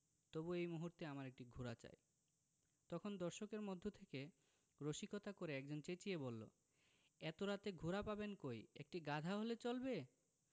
তবু এই মুহূর্তে আমার একটি ঘোড়া চাই – তখন দর্শকদের মধ্য থেকে রসিকতা করে একজন চেঁচিয়ে বললো এত রাতে ঘোড়া পাবেন কই একটি গাধা হলে চলবে